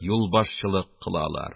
Юлбашчылык кылалар